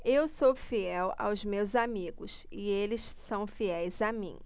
eu sou fiel aos meus amigos e eles são fiéis a mim